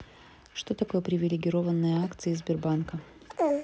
что такое привилегированные акции сбербанка